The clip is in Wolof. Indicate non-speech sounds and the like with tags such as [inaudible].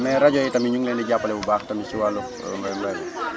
mais rajo yi itam ñu ngi leen di japale bu baax ci wàllum mbay mi [crosstalk]